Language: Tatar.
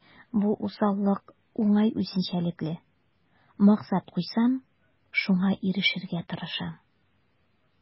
Бу усаллык уңай үзенчәлекле: максат куйсам, шуңа ирешергә тырышам.